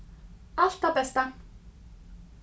alt tað besta